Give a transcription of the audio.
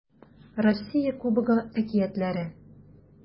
Россия Кубогы әкиятләре